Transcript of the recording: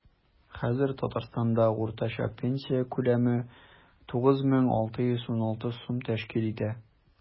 Хәзер Татарстанда уртача пенсия күләме 9616 сум тәшкил итә.